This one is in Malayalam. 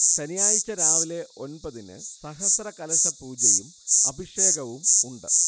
ശനിയാഴ്ച രാവിലെ ഒൻപതിന് സഹസ്രകലശപൂജയും അഭിഷേകവും ഉണ്ട്